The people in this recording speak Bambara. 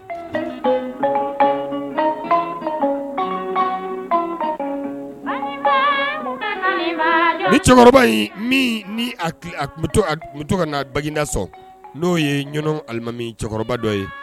Ni cɛkɔrɔba in to ka na bada sɔrɔ n'o yelimami cɛkɔrɔba dɔ ye